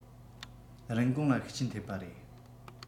རིན གོང ལ ཤུགས རྐྱེན ཐེབས པ རེད